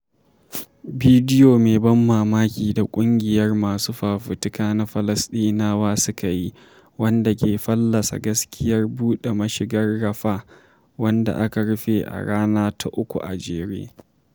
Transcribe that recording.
Bidiyo mai ban mamaki da ƙungiyar masu fafutuka na Falasɗinawa suka yi, wanda ke fallasa gaskiyar buɗe mashigar Rafah, wadda aka rufe a rana ta uku a jere.